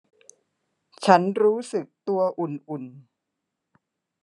ฉันรู้สึกตัวอุ่นอุ่น